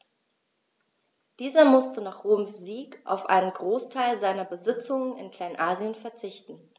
Dieser musste nach Roms Sieg auf einen Großteil seiner Besitzungen in Kleinasien verzichten.